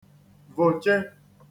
vòche